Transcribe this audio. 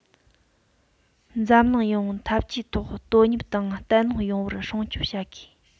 འཛམ གླིང ཡོངས འཐབ ཇུས ཐོག དོ མཉམ དང བརྟན ལྷིང ཡོང བར སྲུང སྐྱོང བྱ དགོས